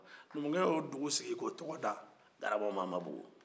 numukɛ y'o dugu sigi k'o tɔgɔ garabamamabugu